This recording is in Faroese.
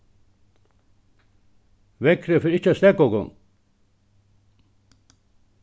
veðrið fer ikki at steðga okum